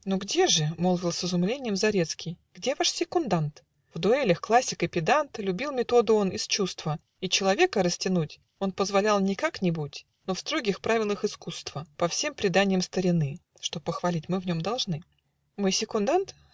"Но где же, - молвил с изумленьем Зарецкий, - где ваш секундант?" В дуэлях классик и педант, Любил методу он из чувства, И человека растянуть Он позволял не как-нибудь, Но в строгих правилах искусства, По всем преданьям старины (Что похвалить мы в нем должны). "Мой секундант?